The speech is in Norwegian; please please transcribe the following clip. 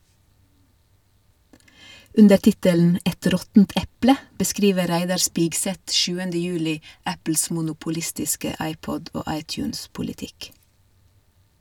Under tittelen «Et råttent eple» beskriver Reidar Spigseth 7. juli Apples monopolistiske iPod- og iTunes-politikk.